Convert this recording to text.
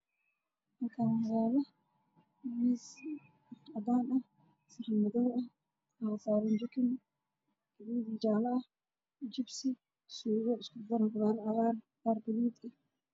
Waa hilib jilicsan oo dooro ah oo madoow ah